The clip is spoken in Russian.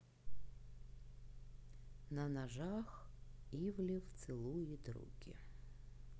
на ножах ивлев целует руки